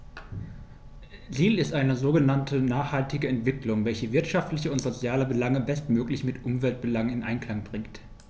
Ziel ist eine sogenannte nachhaltige Entwicklung, welche wirtschaftliche und soziale Belange bestmöglich mit Umweltbelangen in Einklang bringt.